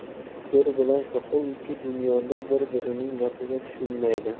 ko'r bilan soqov ikki dunyoda bir birining gapiga tushunmaydi